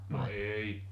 no ei